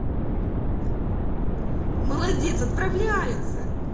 молодец отправляются